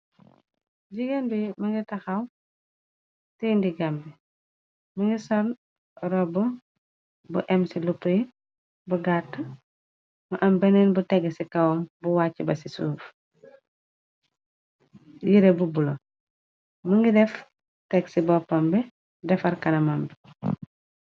Jigéen bi më nga taxaw tendigam bi mi ngi soon robb bu em ci lu pri bu gàtt mu am beneen bu teg ci kawam bu wàcc ba ci suuf yire bubbulo mi ngi def teg ci boppam bi defar kanamam bi.